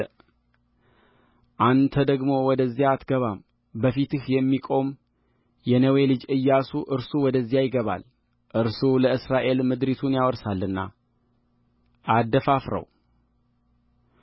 አንተ ደግሞ ወደዚያ አትገባምበፊትህ የሚቆም የነዌ ልጅ ኢያሱ እርሱ ወደዚያ ይገባል እርሱ ለእስራኤል ምድሪቱን ያወርሳልና አደፋፍረው